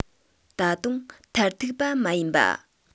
ད དུང མཐར ཐུག པ མ ཡིན པ